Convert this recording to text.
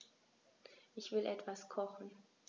Ich will etwas kochen.